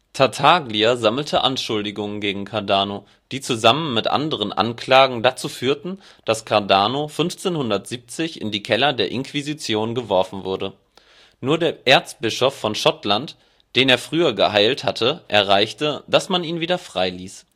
Tartaglia sammelte Anschuldigungen gegen Cardano, die zusammen mit anderen Anklagen dazu führten, dass Cardano 1570 in die Keller der Inquisition geworfen wurde. Nur der Erzbischof von Schottland, den er früher geheilt hatte, erreichte, dass man ihn wieder freiließ